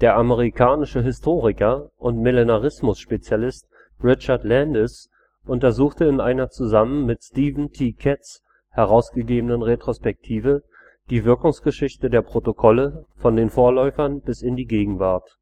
Der amerikanische Historiker und Millenarismusspezialist Richard Landes untersuchte in einer zusammen mit Steven T. Katz herausgegebenen Retrospektive die Wirkungsgeschichte der Protokolle von den Vorläufern bis in die Gegenwart